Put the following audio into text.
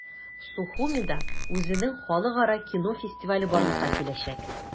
Сухумида үзенең халыкара кино фестивале барлыкка киләчәк.